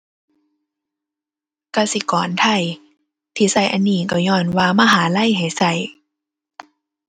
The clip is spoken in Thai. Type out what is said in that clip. กสิกรไทย ที่ใช้อันนี้ใช้ญ้อนว่ามหาลัยให้ใช้